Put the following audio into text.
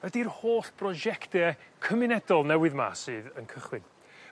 ydi'r holl brosiecte cymunedol newydd 'ma sydd yn cychwyn.